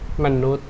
มนุษย์